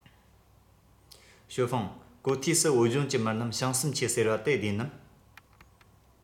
ཞའོ ཧྥུང གོ ཐོས སུ བོད ལྗོངས ཀྱི མི རྣམས བྱང སེམས ཆེ ཟེར བ དེ བདེན ནམ